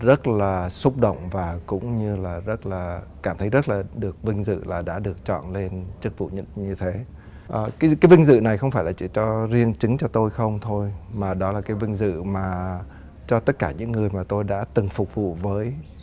rất là xúc động và cũng như là rất là cảm thấy rất là được vinh dự là đã được chọn lên chức vụ như như thế à cái cái vinh dự này không phải chỉ cho riêng chính cho tôi không thôi mà đó là cái vinh dự mà cho tất cả những người mà tôi đã từng phục vụ với